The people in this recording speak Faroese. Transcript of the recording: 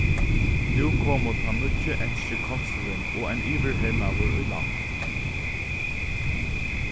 nú komu tann nýggi enski konsulin og ein heryvirmaður í land